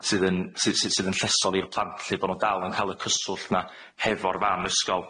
sydd yn sy- sy- sydd yn llesol i'r plant lly bo' n'w dal yn ca'l y cyswllt yna hefo'r fam ysgol.